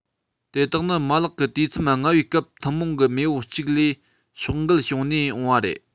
དེ དག ནི མ ལག གི དུས མཚམས ལྔ བའི སྐབས ཐུན མོང གི མེས པོ གཅིག ལས ཕྱོགས འགལ བྱུང ནས འོངས པ རེད